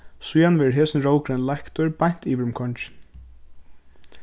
síðan verður hesin rókurin leiktur beint yvir um kongin